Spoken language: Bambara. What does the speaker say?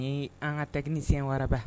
Ni an ka technicien waraba